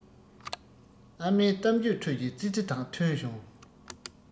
ཨ མའི གཏམ རྒྱུད ཁྲོད ཀྱི ཙི ཙི དག ཐོན བྱུང